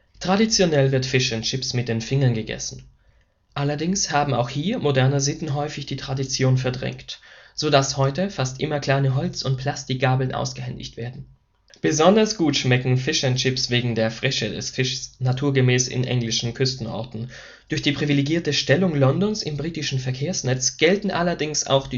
Traditionell wird Fish’ n’ Chips mit den Fingern gegessen. Allerdings haben auch hier moderne Sitten häufig die Tradition verdrängt, sodass heute fast immer kleine Holz - oder Plastikgabeln ausgehändigt werden. Besonders gut schmecken Fish’ n’ Chips wegen der Frische des Fischs naturgemäß in englischen Küstenorten - durch die privilegierte Stellung Londons im britischen Verkehrsnetz gelten allerdings auch